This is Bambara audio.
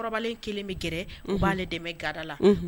Kɔrɔbalen kelen bɛ g b'ale dɛmɛ gadala